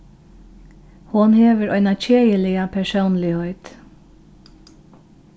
hon hevur eina keðiliga persónligheit